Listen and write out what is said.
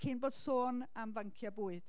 cyn bod sôn am fanciau bwyd.